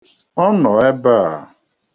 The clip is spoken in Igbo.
Ọ nọ nọọnwa?